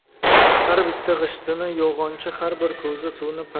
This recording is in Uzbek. har bitta g'ishtni yog'ochni har bir ko'za